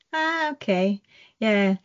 Ok, ie.